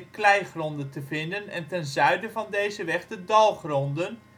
kleigronden te vinden en ten zuiden van deze weg de dalgronden